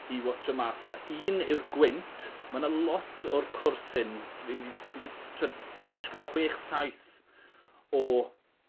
i wotsio mas yna un yw'r gwynt ma' 'na lot o'r cwrs hyn t' 'yn ni fi 'di t'wod disgwl chwech saith o